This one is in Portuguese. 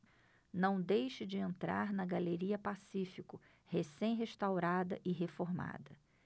não deixe de entrar na galeria pacífico recém restaurada e reformada